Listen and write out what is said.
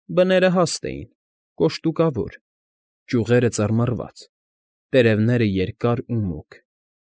Բները հաստ էին, կոշտուկավոր, ճյուղերը ծռմռված, տերևները երկար ու մուգ։